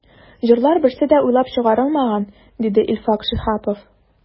“җырлар берсе дә уйлап чыгарылмаган”, диде илфак шиһапов.